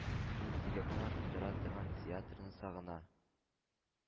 Интеллектны арттыра торган театрны сагына.